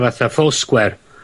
fatha Four Square